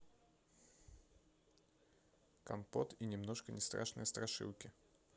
компот и немножко нестрашные страшилки